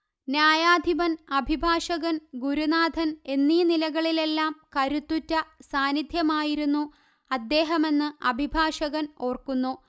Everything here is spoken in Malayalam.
ന്യായാധിപന് അഭിഭാഷകന് ഗുരുനാഥന് എന്നീ നിലകളിലെല്ലാം കരുത്തുറ്റ സാന്നിധ്യമായിരുന്നു അദ്ദേഹമെന്ന് അഭിഭാഷകന് ഓര്ക്കുന്നു